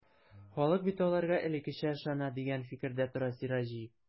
Халык бит аларга элеккечә ышана, дигән фикердә тора Сираҗи.